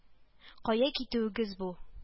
Кая китүегез бу